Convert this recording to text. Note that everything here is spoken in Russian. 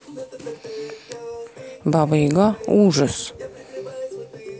баба яга ужас